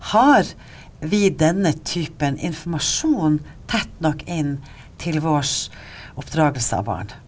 har vi denne typen informasjon tett nok inn til vår oppdragelse av barn?